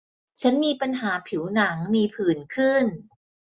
ฉันมีปัญหาผิวหนังมีผื่นขึ้น